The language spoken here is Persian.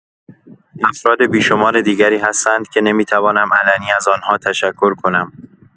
افراد بی‌شمار دیگری هستند که نمی‌توانم علنی از آن‌ها تشکر کنم.